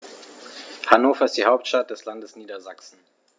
Hannover ist die Hauptstadt des Landes Niedersachsen.